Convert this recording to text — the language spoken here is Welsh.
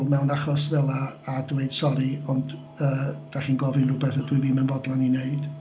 Mewn achos fela a dweud "sori ond yy dach chi'n gofyn rywbeth dydw ddim yn fodlon ei wneud".